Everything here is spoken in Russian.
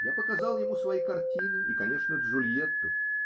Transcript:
Я показал ему свои картины и, конечно, Джульетту.